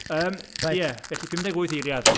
Yym... Reit... Felly, pum deg wyth eiliad.